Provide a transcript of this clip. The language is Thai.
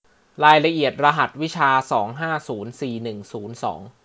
รายละเอียดรหัสวิชาสองห้าศูนย์สี่หนึ่งศูนย์สอง